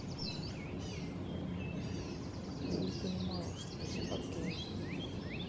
ты не понимаешь скажи okay